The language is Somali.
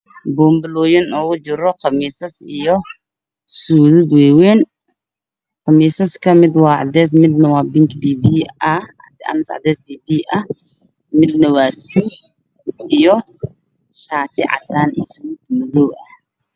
Waa boonbalooyin waxaa kujiro qamiisyo iyo suudad waa wayn, qamiisyada mid waa cadeys midna waa bingi biyo biyo ah, midna waa suud madow ah iyo shaati cadaan ah.